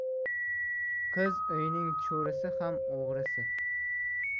qiz uyning cho'risi ham o'g'risi